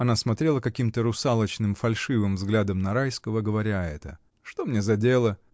— Она смотрела каким-то русалочным, фальшивым взглядом на Райского, говоря это. — Что мне за дело?